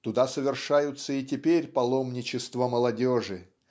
Туда совершаются и теперь паломничества молодежи